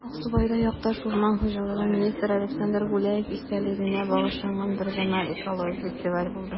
Аксубайда якташ, урман хуҗалыгы министры Александр Гуляев истәлегенә багышланган I зональ экологик фестиваль булды